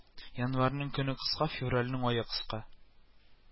Январьнең көне кыска, февральнең ае кыска